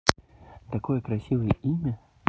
такое красивое имя